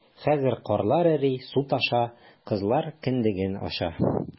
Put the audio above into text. Хәзер карлар эри, су таша - кызлар кендеген ача...